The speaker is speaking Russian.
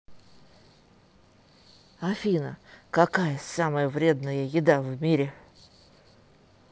афина какая самая вредная еда в мире